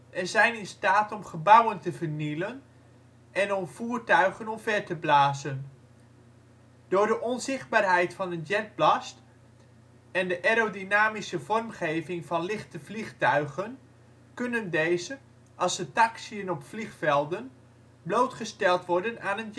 en zijn in staat om gebouwen te vernielen en om voertuigen omver te blazen. Door de onzichtbaarheid van een jet blast en de aerodynamische vormgeving van lichte vliegtuigen kunnen deze, als ze taxiën op vliegvelden, blootgesteld worden aan een